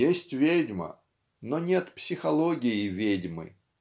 Есть ведьма, но нет психологии ведьмы.